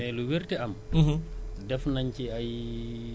waaw mbaa ñu romb ko du ñu xam sax ni mu demee